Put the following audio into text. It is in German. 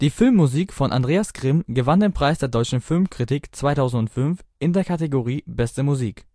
Filmmusik von Andreas Grimm gewann den Preis der deutschen Filmkritik 2005 in der Kategorie Beste Musik